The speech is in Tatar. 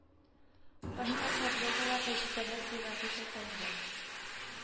Башка проблемалар да җитәрлек ди вәгиз әфәнде